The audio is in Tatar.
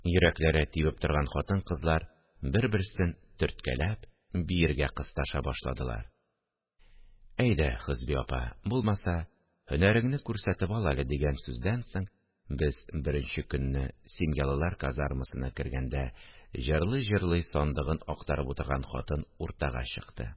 Йөрәкләре тибеп торган хатын-кызлар, бер-берсен төрткәләп, биергә кысташа башладылар: – Әйдә, Хөсби апа, булмаса, һөнәреңне күрсәтеп ал әле, – дигән сүздән соң без беренче көнне семьялылар казармасына кергәндә җырлый-җырлый сандыгын актарып утырган хатын уртага чыкты